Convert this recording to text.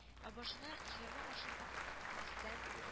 Ә башына егерме аршын ак бестән